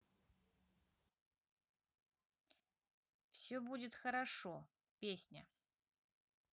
все будет хорошо песня